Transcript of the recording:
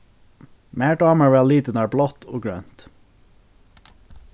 mær dámar væl litirnar blátt og grønt